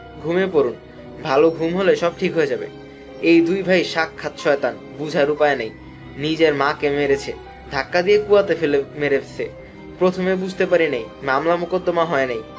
ঘুমিয়ে পড়ুন ভালো ঘুম হলে সব ঠিক হয়ে যাবে এই দুই ভাই সাক্ষাৎ শয়তান বুঝার উপায় নাই নিজের মাকে মেরেছে ধাক্কা দিয়ে কুয়াতে ফেলে মেরেছে প্রথমে বুঝতে পারিনি মামলা মোকদ্দমা হয় নাই